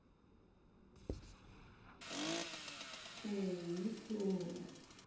ой не то